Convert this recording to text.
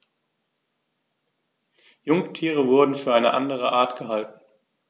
Jungtiere wurden für eine andere Art gehalten.